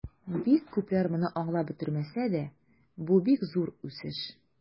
Бик күпләр моны аңлап бетермәсә дә, бу бик зур үсеш.